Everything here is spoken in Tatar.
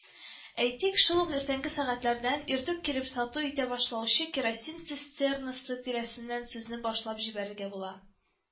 Әйтик, шул ук иртәнге сәгатьләрдән, иртүк килеп сату итә башлаучы керосин цистернасы тирәсеннән сүзне башлап җибәрергә була